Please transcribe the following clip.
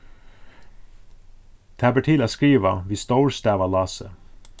tað ber til at skriva við stórstavalási